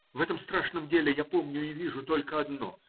В этом страшном деле я помню и вижу только одно